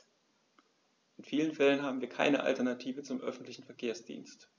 In vielen Fällen haben wir keine Alternative zum öffentlichen Verkehrsdienst.